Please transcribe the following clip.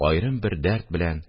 Аерым бер дәрт белән